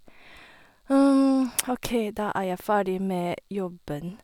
OK, da er jeg ferdig med jobben.